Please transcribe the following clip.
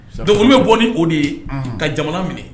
Donc n bɛ bɔ ni o de ye ka jamana minɛ